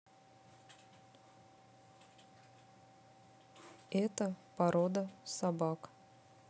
это порода собак